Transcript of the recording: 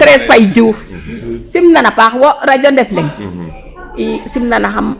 Treise Faye Diouf simnan a paax wo radio Ndef Leng simnanaxam